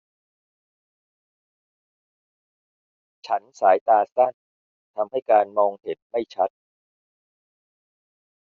ฉันสายตาสั้นทำให้การมองเห็นไม่ชัด